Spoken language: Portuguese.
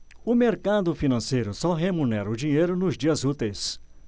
o mercado financeiro só remunera o dinheiro nos dias úteis